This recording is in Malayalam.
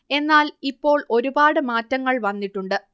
എന്നാൽ ഇപ്പോൾ ഒരുപാട് മാറ്റങ്ങൾ വന്നിട്ടുണ്ട്